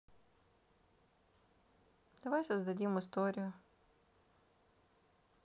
давай создадим историю